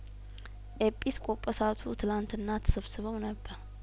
ኤጲስቆጶስቱ ትላንትና ተሰብስበው ነበር